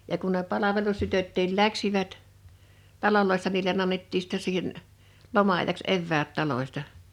ja kun ne palvelustytötkin lähtivät taloissa niille annettiin sitten siihen loma-ajaksi eväät talosta